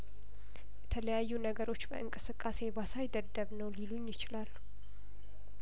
የተለያዩ ነገሮች በእንቅስቃሴ ባሳይ ደደብ ነው ሊሉኝ ይችላሉ